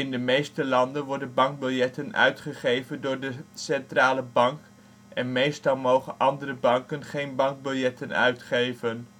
de meeste landen worden bankbiljetten uitgegeven door de centrale bank en meestal mogen andere banken geen bankbiljetten uitgeven